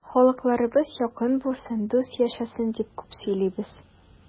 Халыкларыбыз якын булсын, дус яшәсен дип күп сөйлибез.